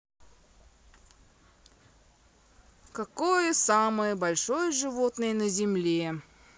какое самое большое животное на земле